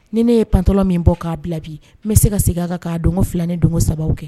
Ni ne ye pantɔlo min bɔ k'a bila bi n bɛ se ka segin kan ka don fila ni don saba kɛ